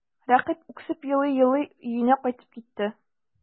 Рәкыйп үксеп елый-елый өенә кайтып китте.